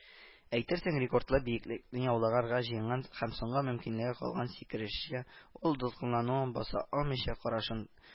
Әйтерсең, рекордлы биеклекне яуларга җыенган һәм соңгы мөмкинлеге калган сикерешче, ул дулкынлануын баса алмыйча карашын